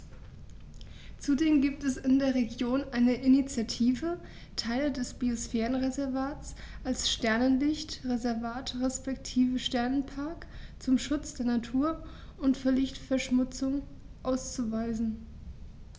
Zudem gibt es in der Region eine Initiative, Teile des Biosphärenreservats als Sternenlicht-Reservat respektive Sternenpark zum Schutz der Nacht und vor Lichtverschmutzung auszuweisen.